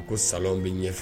U ko saw bɛ ɲɛfɛ